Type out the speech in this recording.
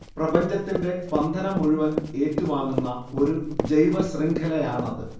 പ്രപഞ്ചത്തിന്റെ സ്പന്ദനം മുഴുവൻ ഏറ്റുവാങ്ങുന്ന ഒരു ജൈവശൃംഖലയാണത്